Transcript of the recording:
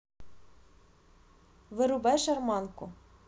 вырубай шарманку